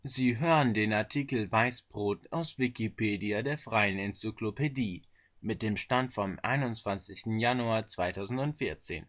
Sie hören den Artikel Weißbrot, aus Wikipedia, der freien Enzyklopädie. Mit dem Stand vom Der